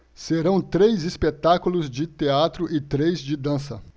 serão três espetáculos de teatro e três de dança